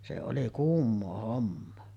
se oli kuumaa hommaa